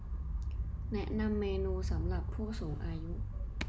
แนะนำเมนูสำหรับผู้สูงอายุ